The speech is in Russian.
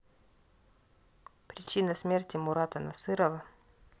причина смерти мурата насырова